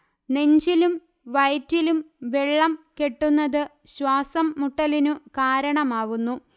നെഞ്ചിലും വയറ്റിലും വെള്ളം കെട്ടുന്നത് ശ്വാസം മുട്ടലിനു കാരണമാവുന്നു